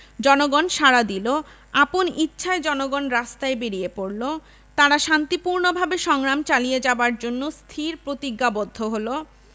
জনগন সাড়া দিলো আপন ইচ্ছায় জনগন রাস্তায় বেরিয়ে পড়ল তারা শান্তিপূর্ণভাবে সংগ্রাম চালিয়ে যাবার জন্য স্থির প্রতিজ্ঞাবদ্ধ হলো